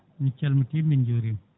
min calmitima min jurima